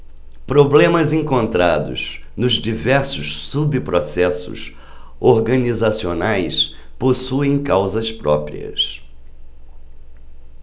problemas encontrados nos diversos subprocessos organizacionais possuem causas próprias